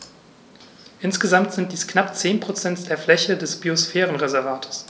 Insgesamt sind dies knapp 10 % der Fläche des Biosphärenreservates.